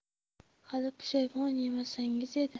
hali pushaymon yemasangiz edi